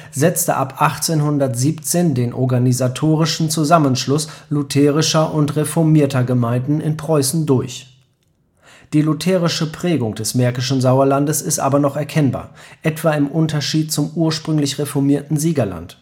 setzte ab 1817 den organisatorischen Zusammenschluss lutherischer und reformierter Gemeinden in Preußen durch. Die lutherische Prägung des märkischen Sauerlandes ist aber noch erkennbar, etwa im Unterschied zum ursprünglich reformierten Siegerland